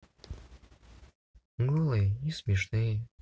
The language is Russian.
голые и смешные